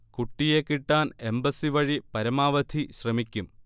കുട്ടിയെ കിട്ടാൻ എംബസി വഴി പരമാവധി ശ്രമിക്കും